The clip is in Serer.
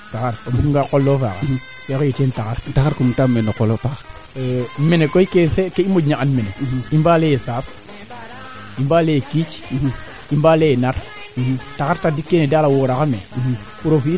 d' accord o fogole na nan gilooxa radio Diarekh bo ndiik in way meeke no 102 point 5 Fm mbaxtaan ta no ku xatna no walu choix de la parcelle manaam a cila le ando naya wala boog